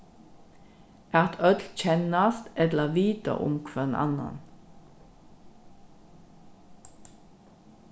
at øll kennast ella vita um hvønn annan